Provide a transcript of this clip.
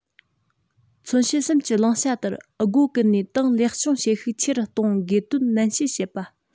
མཚོན བྱེད གསུམ གྱི བླང བྱ ལྟར སྒོ ཀུན ནས ཏང ལེགས སྐྱོང བྱེད ཤུགས ཆེ རུ གཏོང དགོས དོན ནན བཤད བྱེད པ